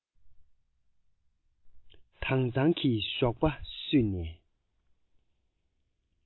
དྭངས གཙང གི ཞོགས པ བསུས ནས